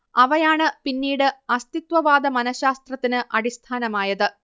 അവയാണ് പിന്നീട് അസ്തിത്വവാദ മനശാസ്ത്രത്തിന് അടിസ്ഥാനമായത്